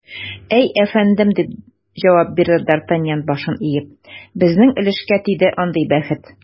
Әйе, әфәндем, - дип җавап бирде д’Артаньян, башын иеп, - безнең өлешкә тиде андый бәхет.